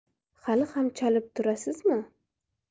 hali ham chalib turasizmi